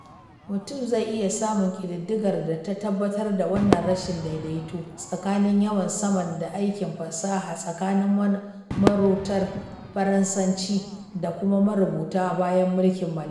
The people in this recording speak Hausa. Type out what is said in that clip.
Mutum zai iya samun ƙididdigar da ta tabbatar da wannan: rashin daidaito tsakanin yawan samar da aikin fasaha tsakanin marutan Faransanci da kuma marubutan bayan mulkin mallaka.